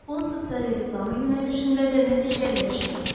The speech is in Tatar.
Ул социаль реклама юнәлешендә дә нәтиҗәле эшли.